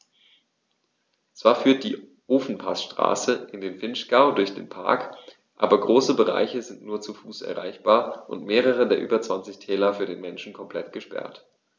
Zwar führt die Ofenpassstraße in den Vinschgau durch den Park, aber große Bereiche sind nur zu Fuß erreichbar und mehrere der über 20 Täler für den Menschen komplett gesperrt.